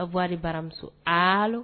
Awa baramuso